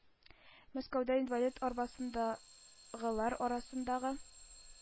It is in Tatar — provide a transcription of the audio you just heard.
Мәскәүдә инвалид арбасындагылар арасындагы